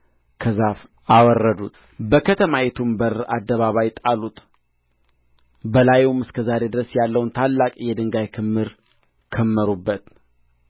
ከዛፍ አወረዱት በከተማይቱም በር አደባባይ ጣሉት በላዩም እስከ ዛሬ ድረስ ያለውን ታላቅ የድንጋይ ክምር ከመሩበት